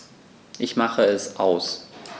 Ich mache es aus.